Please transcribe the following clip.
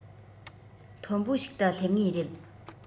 མཐོན པོ ཞིག ཏུ སླེབས ངེས རེད